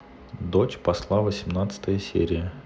дочь посла восемнадцатая серия